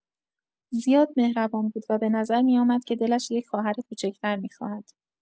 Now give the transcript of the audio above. زیاد مهربان بود و به نظر می‌آمد که دلش یک خواهر کوچک‌تر می‌خواهد.